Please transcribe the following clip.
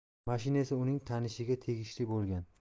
mashina esa uning tanishiga tegishli bo'lgan